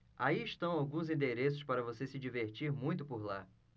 aí estão alguns endereços para você se divertir muito por lá